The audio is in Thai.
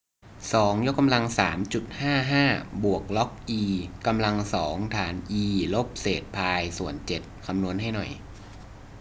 สองยกกำลังสามจุดห้าห้าบวกล็อกอีกำลังสองฐานอีลบเศษพายส่วนเจ็ดคำนวณให้หน่อย